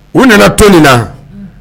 U nana to min na